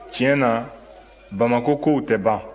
tiɲɛ na bamakɔ kow tɛ ban